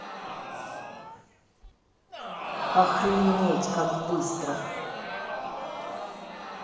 охренеть как быстро